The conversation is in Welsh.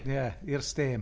Ie i'r stêm.